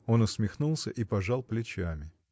Он усмехнулся и пожал плечами.